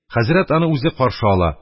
Хәзрәт аны үзе каршы ала,